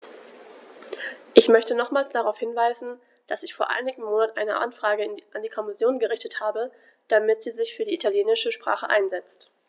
Ich möchte nochmals darauf hinweisen, dass ich vor einigen Monaten eine Anfrage an die Kommission gerichtet habe, damit sie sich für die italienische Sprache einsetzt.